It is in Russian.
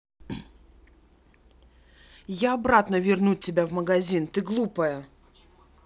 я обратно вернуть тебя в магазин ты глупая